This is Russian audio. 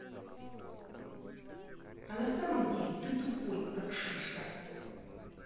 а на самом деле ты тупой как шишка